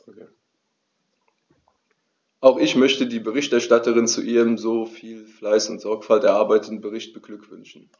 Auch ich möchte die Berichterstatterin zu ihrem mit so viel Fleiß und Sorgfalt erarbeiteten Bericht beglückwünschen.